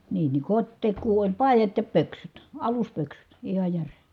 niin niin kotitekoa oli paidat ja pöksyt aluspöksyt ihan jären